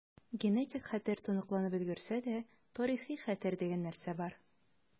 Генетик хәтер тоныкланып өлгерсә дә, тарихи хәтер дигән нәрсә бар.